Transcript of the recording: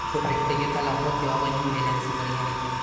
ko'prikdagi talafot yog'iyning belini sindirgan ekan